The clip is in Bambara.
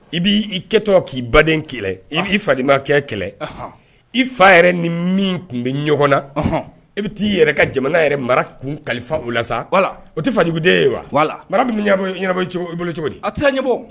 I b' i kɛ tɔgɔ k'i baden kɛlɛ i famakɛ kɛlɛ i fa yɛrɛ ni min tun bɛ ɲɔgɔn na i bɛ t' ii yɛrɛ ka jamana yɛrɛ mara kun kalifa u la sa wala o tɛ faden ye wa wala mara bɛ ni bolo cogo a tɛ ɲɛbɔ